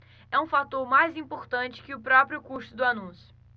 é um fator mais importante que o próprio custo do anúncio